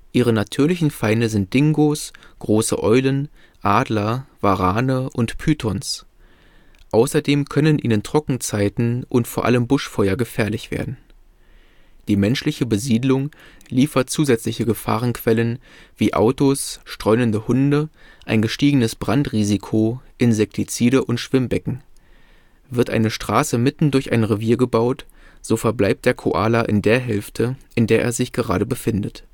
Ihre natürlichen Feinde sind Dingos, große Eulen, Adler, Warane, und Pythons. Außerdem können ihnen Trockenzeiten und vor allem Buschfeuer gefährlich werden. Die menschliche Besiedelung liefert zusätzliche Gefahrenquellen, wie Autos, streunende Hunde, ein gestiegenes Brandrisiko, Insektizide und Schwimmbecken; wird eine Straße mitten durch ein Revier gebaut, so verbleibt der Koala in der Hälfte, in der er sich gerade befindet